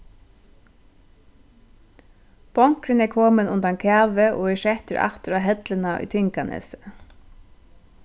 bonkurin er komin undan kavi og er settur aftur á helluna í tinganesi